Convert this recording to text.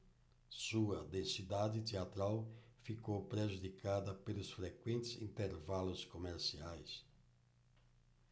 sua densidade teatral ficou prejudicada pelos frequentes intervalos comerciais